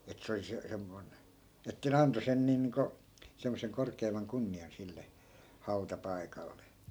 että se oli - semmoinen että ne antoi sen niin niin kuin semmoisen korkeimman kunnian sille hautapaikalle